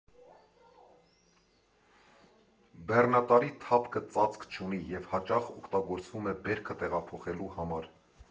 Բեռնատարի թափքը ծածկ չունի և հաճախ օգտագործվում է բերքը տեղափոխելու համար։